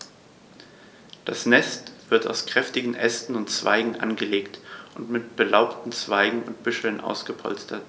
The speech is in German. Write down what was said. Das Nest wird aus kräftigen Ästen und Zweigen angelegt und mit belaubten Zweigen und Büscheln ausgepolstert.